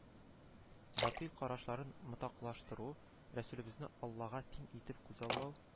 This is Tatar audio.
Батыйль карашларын мотлаклаштыру, рәсүлебезне аллага тиң итеп күзаллау